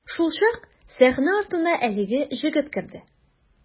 Шулчак сәхнә артына әлеге җегет керде.